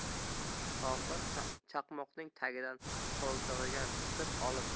tohir chakmonning tagidan qo'ltig'iga qisib olib